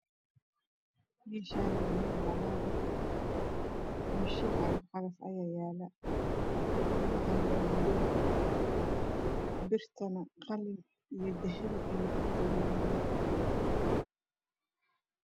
Meshan waa meel banaan ah meshiin ama qalab gudahane waa madoow birtane qalab ama dahabi ayoo kakoobanyhy